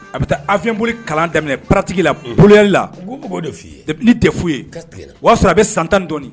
A bi taa avion boli kalan daminɛ pratique la , n ko bɛ k’o de fɔ ye, depuis ni DEF ye, i ka tigɛ na, o y'a sɔrɔ a bɛ san 10 ani dɔni.